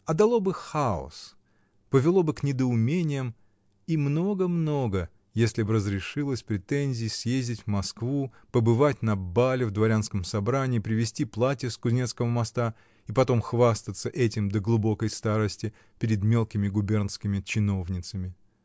А дало бы хаос, повело бы к недоумениям — и много-много, если б разрешилось претензией съездить в Москву, побывать на бале в дворянском собрании, привезти платье с Кузнецкого моста и потом хвастаться этим до глубокой старости перед мелкими губернскими чиновницами.